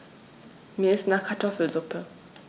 Mir ist nach Kartoffelsuppe.